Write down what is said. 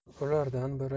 ulardan biri